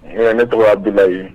Ne ne tɔgɔ di yen